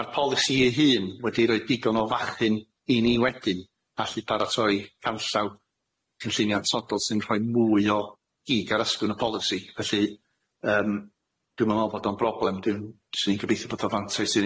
ma'r polisi ei hun wedi roi digon o fachyn i ni wedyn allu paratoi canllaw cynlluniatodol sy'n rhoi mwy o gig ar ysgwrn y polisi felly yym dwi'm yn me'wl bod o'n broblem dwi'n swn i'n gobeithio bod o'n fanteis i